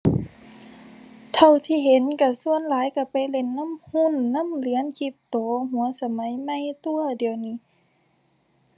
เท่าที่เห็นก็ส่วนหลายก็ไปเล่นนำหุ้น นำเหรียญคริปโต หัวสมัยใหม่ตั่ว เดี๋ยวนี้